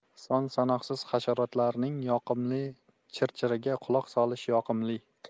son sanoqsiz hasharotlarning yoqimli chirchiriga quloq solish yoqimli